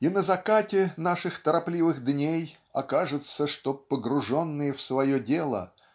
И на закате наших торопливых дней окажется что погруженные в свое дело